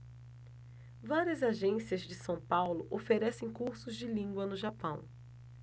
várias agências de são paulo oferecem cursos de língua no japão